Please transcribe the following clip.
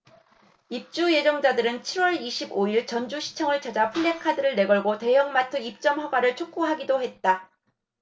입주 예정자들은 칠 월 이십 오 일 전주시청을 찾아 플래카드를 내걸고 대형마트 입점 허가를 촉구하기도 했다